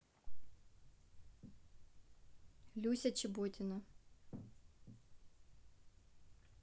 люся чеботина